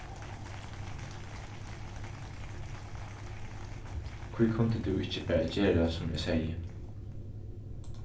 hví kundi tú ikki bara gera sum eg segði